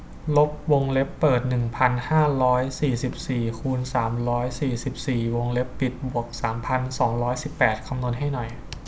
ลบวงเล็บเปิดหนึ่งพันห้าร้อยสี่สิบสี่คูณสามร้อยสี่สิบสี่วงเล็บปิดบวกสามพันสองร้อยสิบแปดคำนวณให้หน่อย